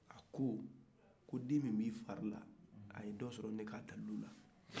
a ko ko den min b'i farila a ye do sɔrɔ ne ka dallu la